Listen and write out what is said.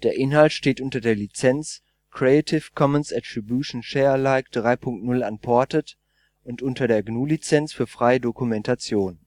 Inhalt steht unter der Lizenz Creative Commons Attribution Share Alike 3 Punkt 0 Unported und unter der GNU Lizenz für freie Dokumentation